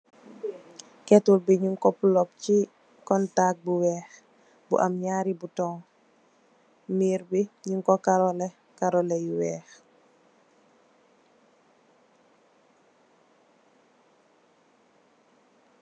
Kettle bi ñing ko plug ci kontak bu wèèx bu am ñaari button. Miir bu ñing ko karó leh karó leh yu wèèx.